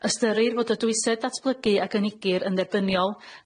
Ystyrir fod y dwysedd datblygu a gynigir yn dderbyniol